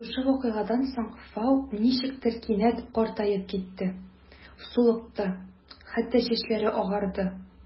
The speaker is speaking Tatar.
Шушы вакыйгадан соң Фау ничектер кинәт картаеп китте: сулыкты, хәтта чәчләре агарды.